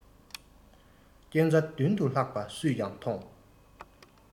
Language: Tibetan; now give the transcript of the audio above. རྐྱེན རྩ མདུན དུ ལྷག པ སུས ཀྱང མཐོང